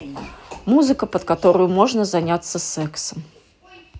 музыка под которую можно заняться сексом